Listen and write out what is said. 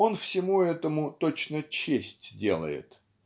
Он всему этому точно честь делает.